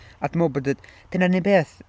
A dwi'n meddwl bod... dyna'r unig beth...